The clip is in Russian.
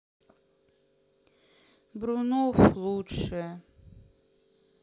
брунов лучшее